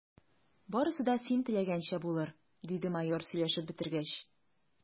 Барысы да син теләгәнчә булыр, – диде майор, сөйләшеп бетергәч.